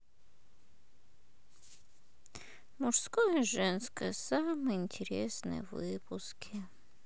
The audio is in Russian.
мужское женское самые интересные выпуски